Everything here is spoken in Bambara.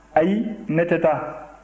ayi ne tɛ taa